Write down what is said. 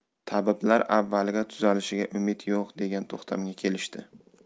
tabiblar avvaliga tuzalishiga umid yo'q degan to'xtamga kelishdi